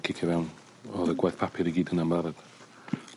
...cicio fewn o'dd y gwaith papur i gyd yna'n barod.